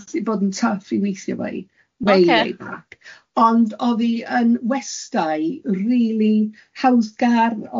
mae'n gallu bod yn tyff i weithio efo'i... Ocê... wei wei bac, ond o'dd 'i yn westai rili hawddgar,